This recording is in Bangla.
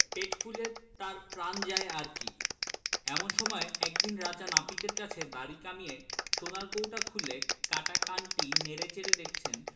পেট ফুলে তার প্রাণ যায়আরকি এমন সময় একদিন রাজা নাপিতের কাছে দাড়ি কামিয়ে সোনার কৌটো খুলে কাটা কানটি নেড়ে চেড়ে দেখছেন